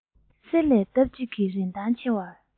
གསེར ལས ལྡབ གཅིག གིས རིན ཐང ཆེ བར